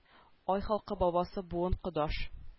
Ай халкы бабасы буын кодаш